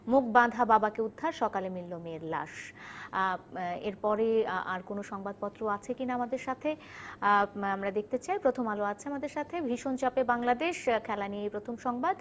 মুখ বাঁধা বাবাকে উদ্ধার সকালে মিলল মেয়ের লাশ পরে আর কোন সংবাদপত্র আছে কিনা আমাদের সাথে আমরা দেখতে চাই প্রথম আলো আছে আমাদের সাথে ভীষণ চাপে বাংলাদেশ খেলা নিয়েই প্রথম সংবাদ